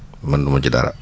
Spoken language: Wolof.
man du ma ci dara